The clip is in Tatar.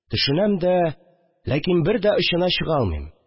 Төшенәм дә, ләкин бер дә очына чыга алмыйм